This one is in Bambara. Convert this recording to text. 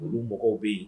Olu mɔgɔw bɛ yen